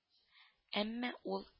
Әмма ул